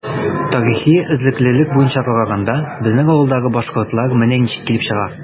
Тарихи эзлеклелек буенча караганда, безнең авылдагы “башкортлар” менә ничек килеп чыга.